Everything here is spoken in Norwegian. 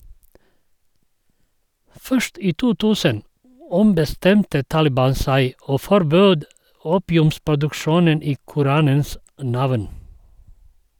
Først i 2000 ombestemte Taliban seg, og forbød opiumsproduksjonen i koranens navn.